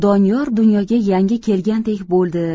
doniyor dunyoga yangi kelgandek bo'ldi